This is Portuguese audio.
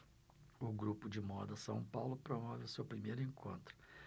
o grupo de moda são paulo promove o seu primeiro encontro